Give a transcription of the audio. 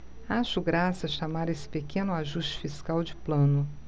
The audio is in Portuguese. acho graça chamar esse pequeno ajuste fiscal de plano